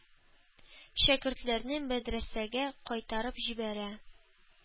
Шәкертләрне мәдрәсәгә кайтарып җибәрә.